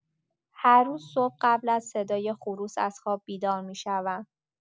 هر روز صبح قبل از صدای خروس از خواب بیدار می‌شوم.